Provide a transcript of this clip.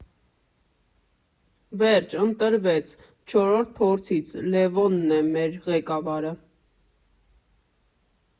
Վերջ, ընտրվեց՝ չորրորդ փորձից, Լևոնն է մեր ղեկավարը։